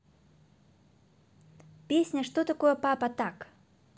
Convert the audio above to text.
песня что такое папа так